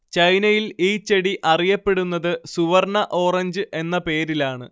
ചൈനയിൽ ഈ ചെടി അറിയപ്പെടുന്നത് സുവർണ്ണ ഓറഞ്ച് എന്ന പേരിലാണ്